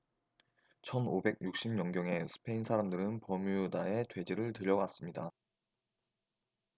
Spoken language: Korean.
천 오백 육십 년경에 스페인 사람들은 버뮤다에 돼지를 들여왔습니다